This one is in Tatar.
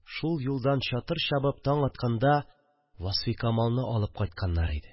Шул юлдан чатыр чабып таң атканда Васфикамалны алып кайтканнар иде